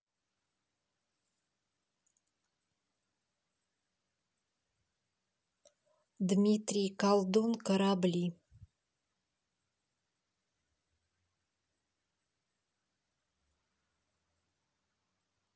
дмитрий колдун корабли